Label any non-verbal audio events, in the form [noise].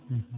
[hesitation] [hesitation]